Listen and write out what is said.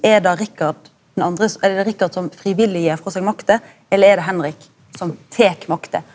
er det Rikard den eller er det Rikard som frivillig gjev frå seg makta, eller er det Henrik som tek makta?